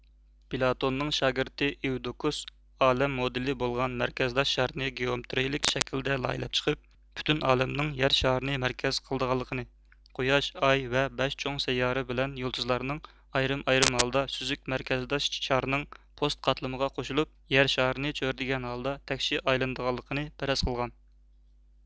پلاتوننىڭ شاگىرتى ئېۋدۇكۇس ئالەم مودېلى بولغان مەركەزداش شارنى گېئومېتىرىيىلىك شەكىلدە لايىھىلەپ چىقىپ پۈتۈن ئالەمنىڭ يەر شارىنى مەركەز قىلىدىغانلىقىنى قۇياش ئاي ۋە بەش چوڭ سەييارە بىلەن يۇلتۇزلارنىڭ ئايرىم ئايرىم ھالدا سۈزۈك مەركەزداش شارنىڭ پوست قاتلىمىغا قوشۇلۇپ يەر شارىنى چۆرىدىگەن ھالدا تەكشى ئايلىنىدىغانلىقىنى پەرەز قىلغان